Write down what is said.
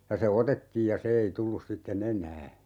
ja se otettiin ja se ei tullut sitten enää